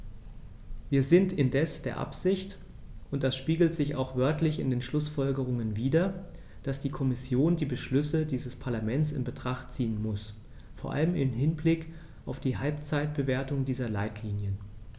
Wir sind indes der Ansicht und das spiegelt sich auch wörtlich in den Schlussfolgerungen wider, dass die Kommission die Beschlüsse dieses Parlaments in Betracht ziehen muss, vor allem im Hinblick auf die Halbzeitbewertung dieser Leitlinien.